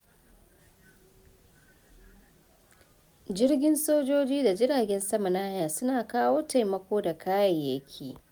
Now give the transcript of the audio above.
Jirgin sojoji da jiragen sama na haya su na kawo taimako da kayayyaki.